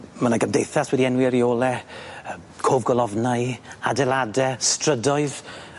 My' 'ny gymdeithas wedi enwi ar 'i ôl e yym cof golofnau, adeilade, strydoedd.